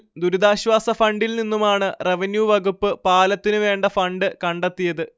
ദുരിതാശ്വാസ ഫണ്ടിൽനിന്നുമാണ് റവന്യു വകുപ്പ് പാലത്തിനുവേണ്ട ഫണ്ട് കണ്ടെത്തിയത്